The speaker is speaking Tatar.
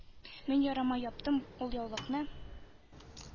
Мин ярама яптым ул яулыкны